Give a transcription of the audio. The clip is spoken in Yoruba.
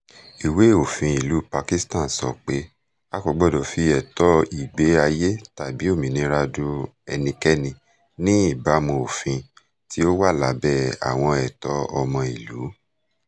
Ìwé òfin ìlú Pakistan sọ wípé "A kò gbọdọ̀ fi ẹ̀tọ́ ìgbé ayé tàbí òmìnira du ẹnikẹ́ni ní ìbámu òfin," tí ó wà lábẹ́ Àwọn Ẹ̀tọ́ ọmọ ìlú.